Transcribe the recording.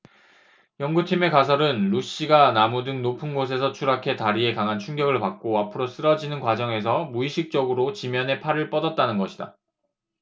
연구팀의 가설은 루시가 나무 등 높은 곳에서 추락해 다리에 강한 충격을 받고 앞으로 쓰러지는 과정에서 무의식적으로 지면에 팔을 뻗었다는 것이다